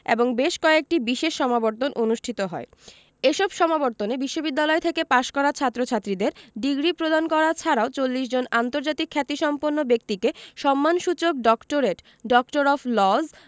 এবং বেশ কয়েকটি বিশেষ সমাবর্তন অনুষ্ঠিত হয় এসব সমাবর্তনে বিশ্ববিদ্যালয় থেকে পাশ করা ছাত্রছাত্রীদের ডিগ্রি প্রদান করা ছাড়াও ৪০ জন আন্তর্জাতিক খ্যাতিসম্পন্ন ব্যক্তিকে সম্মানসূচক ডক্টরেট ডক্টর অব লজ